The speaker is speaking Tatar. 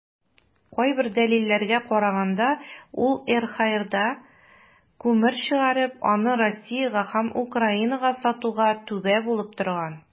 Кайбер дәлилләргә караганда, ул ЛХРда күмер чыгарып, аны Россиягә һәм Украинага сатуга "түбә" булып торган.